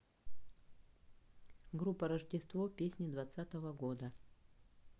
группа рождество песни двадцатого года